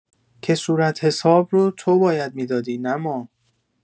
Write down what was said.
که صورتحساب رو تو باید می‌دادی نه ما!